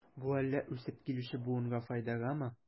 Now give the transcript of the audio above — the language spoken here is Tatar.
Бу әллә үсеп килүче буынга файдагамы?